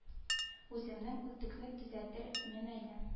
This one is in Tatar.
Үземнең үтүкне төзәтер мен әле